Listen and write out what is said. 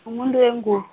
umuntu wengu-.